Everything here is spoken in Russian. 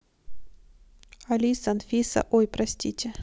алис анфиса ой простите